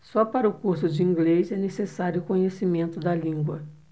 só para o curso de inglês é necessário conhecimento da língua